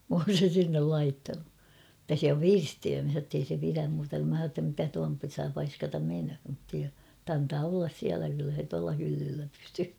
minä olen sen sinne laittanut mutta se on pirstiöimissä jotta ei se pidä minä sanoin jotta mitä tuon saa paiskata menemään mutta antaa olla siellä kyllä se tuolla hyllyllä pysyy